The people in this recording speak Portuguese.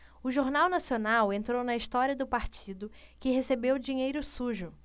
o jornal nacional entrou na história do partido que recebeu dinheiro sujo